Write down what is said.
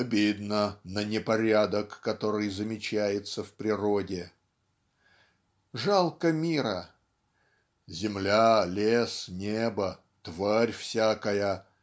"Обидно на непорядок, который замечается в природе". Жалко мира. "Земля, лес, небо. тварь всякая